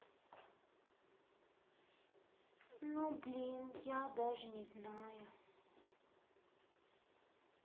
ну блин я даже не знаю